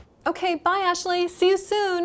ok bai át li si iu sun